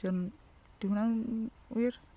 'Di ymm, 'di hwnna'n wir?